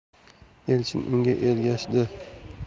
elchin unga ergashdi